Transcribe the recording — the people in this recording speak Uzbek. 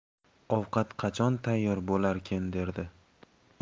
ovqat qachon tayyor bo'larkin derdi